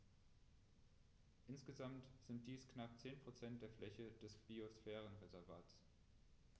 Insgesamt sind dies knapp 10 % der Fläche des Biosphärenreservates.